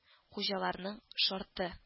– хуҗаларның шарты